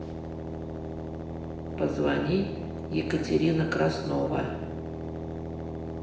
позвони екатерина краснова